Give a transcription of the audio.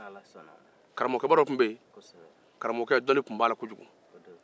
karamɔgɔkɛba dɔ tun bɛ dɔnni tun b'a kun kojugu